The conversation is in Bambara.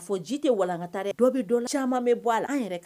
A fɔ ji tɛ walankata dɔ bɛ dɔn camanma bɛ bɔ an yɛrɛ